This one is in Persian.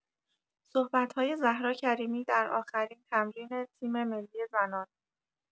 صحبت‌های زهرا کریمی در آخرین تمرین تیم‌ملی زنان